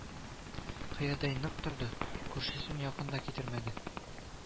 Кыядай нык торды, күршесен якын да китермәде